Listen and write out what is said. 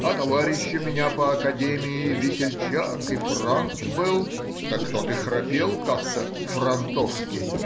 а товарищ у меня по академии весельчак и франт был — так тот и храпел как-то франтовски